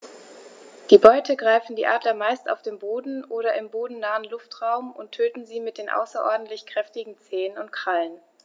Die Beute greifen die Adler meist auf dem Boden oder im bodennahen Luftraum und töten sie mit den außerordentlich kräftigen Zehen und Krallen.